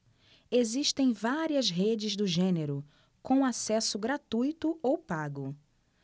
existem várias redes do gênero com acesso gratuito ou pago